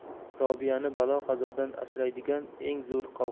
robiyani balo qazodan asraydigan eng zo'r